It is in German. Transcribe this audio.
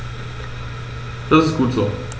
Das ist gut so.